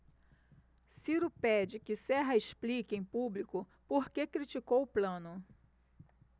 ciro pede que serra explique em público por que criticou plano